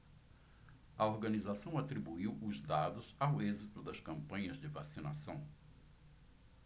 a organização atribuiu os dados ao êxito das campanhas de vacinação